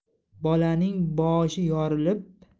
bolaning boshi yorilib